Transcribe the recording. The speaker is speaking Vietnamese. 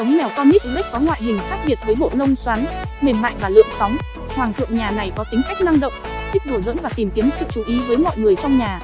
giống mèo cornish rex có ngoại hình khác biệt với bộ lông xoắn mềm mại và lượn sóng hoàng thượng nhà này có tính cách năng động thích đùa giỡn và tìm kiếm sự chú ý với mọi người trong nhà